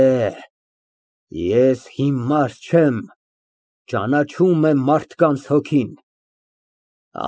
Հո, ես հիմար չեմ, ճանաչում եմ մարդկանց հոգին։